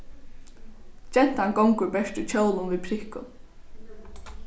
gentan gongur bert í kjólum við prikkum